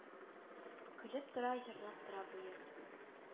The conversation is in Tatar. Көлеп тора җырлап тора бу йорт